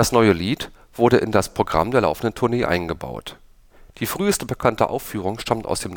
neue Lied wurde in das Programm der laufenden Tournee eingebaut. Die früheste bekannte Aufführung stammt aus